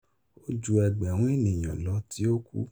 Ó ju ẹgbẹ̀rún ènìyàn lọ tí ó kú.